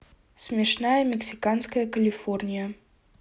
смешная мексиканская калифорния